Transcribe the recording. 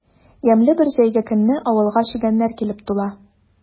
Ямьле бер җәйге көнне авылга чегәннәр килеп тула.